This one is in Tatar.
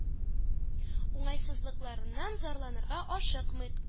Уңайсызлыкларыннан зарланырга ашыкмыйк.